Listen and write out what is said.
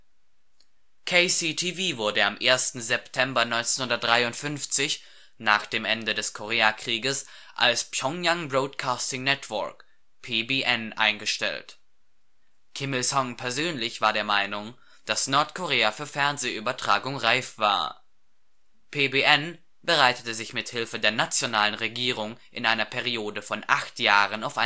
KCTV wurde am 1. September 1953, nach dem Ende des Korea-Krieges, als Pjöngjang Broadcasting Network (PBN) eingestellt. Kim Il-sung persönlich war der Meinung, dass Nordkorea für Fernsehübertragung reif war. PBN bereite sich mit Hilfe der nationalen Regierung in einer Periode von 8 Jahren auf